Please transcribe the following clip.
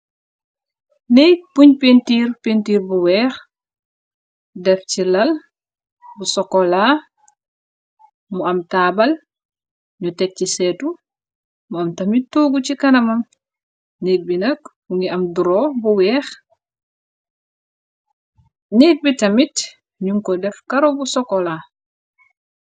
neek buñ pintiir pintiir bu weex def ci lal bu sokola, mu am taabal ñu teg ci seetu mu am tamit toogu ci kanamam. nit binak bu ngi am duro bu weex net bi tamit nun ko def karo bu sokola.